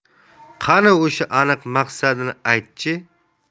qani o'sha aniq maqsadini ayt chi